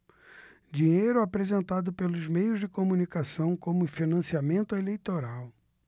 dinheiro apresentado pelos meios de comunicação como financiamento eleitoral